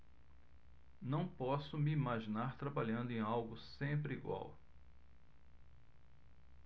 não posso me imaginar trabalhando em algo sempre igual